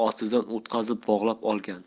ostidan o'tkazib bog'lab olgan